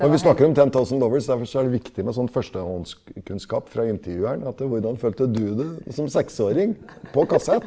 for vi snakker om Ten Thousand Lovers, derfor så er det viktig med sånn førstehåndskunnskap fra intervjueren, at hvordan følte du det som seksåring på kassett?